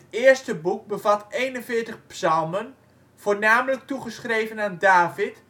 eerste boek bevat 41 psalmen, voornamelijk toegeschreven aan David